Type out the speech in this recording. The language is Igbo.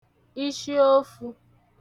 ishiofū